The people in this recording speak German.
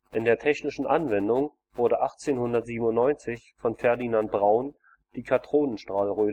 der technischen Anwendung wurde 1897 von Ferdinand Braun die Kathodenstrahlröhre